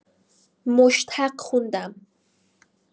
مشتق خوندم